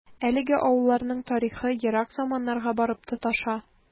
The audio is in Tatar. Әлеге авылларның тарихы ерак заманнарга барып тоташа.